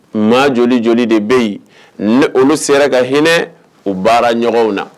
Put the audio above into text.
Maa joli joli de bɛ yen ni olu sera ka hinɛ u baara ɲɔgɔnw na